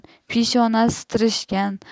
peshonasi tirishgan